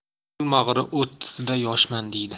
bo'lmag'uri o'ttizida yoshman deydi